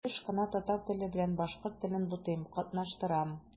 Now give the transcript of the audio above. Еш кына татар теле белән башкорт телен бутыйм, катнаштырам.